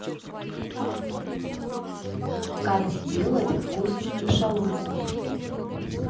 как сделать вкусную шаурму